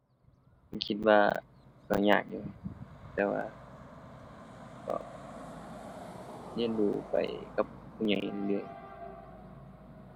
ผมคิดว่าก็ยากอยู่ แต่ว่าก็เรียนรู้ไปกับผู้ใหญ่เรื่อยเรื่อย